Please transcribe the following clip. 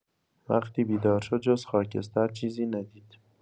وقتی بیدار شد، جز خاکستر چیزی ندید.